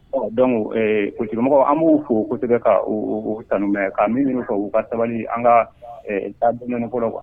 Ɔ dɔn kotigimɔgɔw an b'u fɔ o tɛ ka tan ka min ka uu ka sabali an ka taa fɔlɔ kuwa